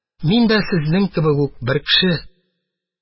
Шиккә төшмәгез, мин дә сезнең кебек үк бер кеше.